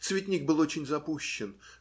Цветник был очень запущен